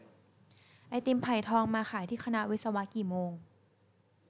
ไอติมไผ่ทองมาขายที่คณะวิศวะกี่โมง